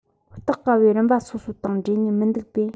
རྟོགས དཀའ བའི རིམ པ སོ སོ དང འདྲེས ནས མི འདུག པས